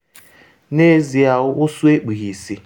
N’ezie ụsụ ekpughị isi.